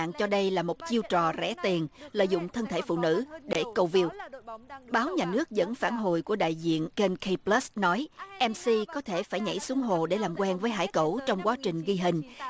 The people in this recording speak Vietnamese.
mạng cho đây là một chiêu trò rẻ tiền lợi dụng thân thể phụ nữ để câu viu báo nhà nước dẫn phản hồi của đại diện kênh cây lớt nói em xi có thể phải nhảy xuống hồ để làm quen với hải cẩu trong quá trình ghi hình